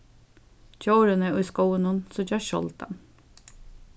djórini í skóginum síggjast sjáldan